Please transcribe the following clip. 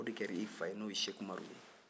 o de kɛra i fa ye n'o ye seku umaru ye